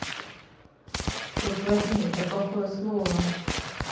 черт возьми это плохое слово